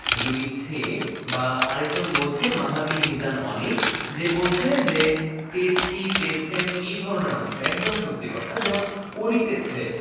যদি ছে আবার একজন বলছে মহাদি মিজান অনিক যে বলছে যে তেছি তেছেন এই ধরনের অংশ একদম সত্যি কথা যেমন করিতেছে